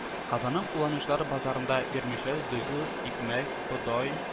Казанның кулланучылар базарында вермишель, дөге, икмәк, бодай